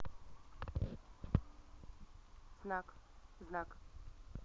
знак знак